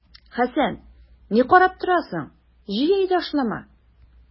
Хәсән, ни карап торасың, җый әйдә ашлама!